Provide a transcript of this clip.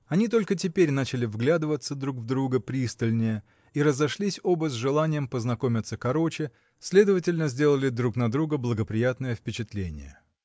Они только теперь начали вглядываться друг в друга пристальнее, и разошлись оба с желанием познакомиться короче, следовательно, сделали друг на друга благоприятное впечатление.